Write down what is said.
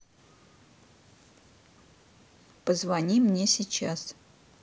позвони мне сейчас